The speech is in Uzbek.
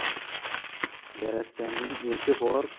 yaratganning erki bor